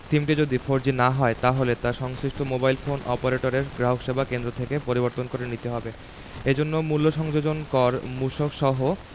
সিমটি যদি ফোরজি না হয় তাহলে তা সংশ্লিষ্ট মোবাইল ফোন অপারেটরের গ্রাহকসেবা কেন্দ্র থেকে পরিবর্তন করে নিতে হবে এ জন্য মূল্য সংযোজন কর মূসক সহ